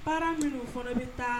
Parents minnu fɔlɔ bɛ taa